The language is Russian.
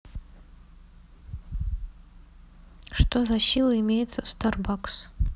что за сила имеется starbucks